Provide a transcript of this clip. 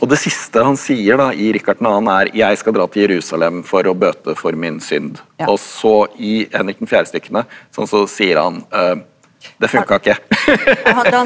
og det siste han sier da i Rikard den annen er jeg skal dra til Jerusalem for å bøte for min synd, og så i Henrik den fjerde-stykkene sånn så sier han det funka ikke .